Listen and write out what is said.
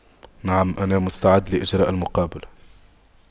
نعم انا مستعد لإجراء المقابلة